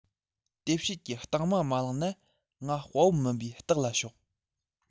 དེ བྱས ཀྱི རྟིང མ མ བླངས ན ང དཔའ བོ མིན པའི རྟགས ལ ཞོག